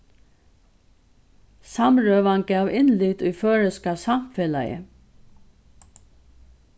samrøðan gav innlit í føroyska samfelagið